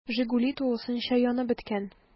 “жигули” тулысынча янып беткән.